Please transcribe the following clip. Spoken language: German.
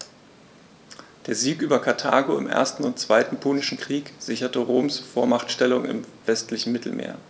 Der Sieg über Karthago im 1. und 2. Punischen Krieg sicherte Roms Vormachtstellung im westlichen Mittelmeer.